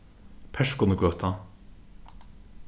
perskonugøta